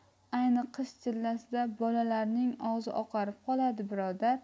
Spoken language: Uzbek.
ayni qish chillasida bolalarning og'zi oqarib qoladi birodar